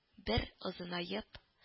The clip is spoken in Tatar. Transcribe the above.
Бер озынаеп